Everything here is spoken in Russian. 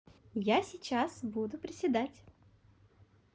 я сейчас буду приседать